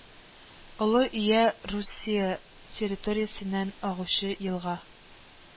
Олы Ия Русия территориясеннән агучы елга